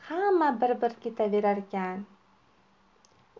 hamma bir bir ketaverarkan